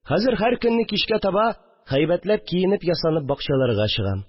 Хәзер һәр көнне кичкә таба һәйбәтләп киенеп-ясанып бакчаларга чыгам